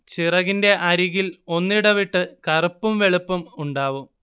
ചിറകിന്റെ അരികിൽ ഒന്നിടവിട്ട് കറുപ്പും വെളുപ്പും ഉണ്ടാവും